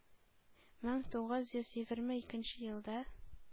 Мең тугыз йөз егерме икнче елда